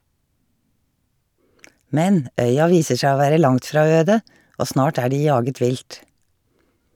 Men, øya viser seg å være langt fra øde, og snart er de jaget vilt.